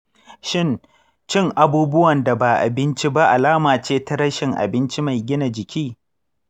shin cin abubuwan da ba abinci ba alama ce ta rashin abinci mai gina jiki?